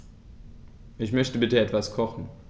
Ich möchte bitte etwas kochen.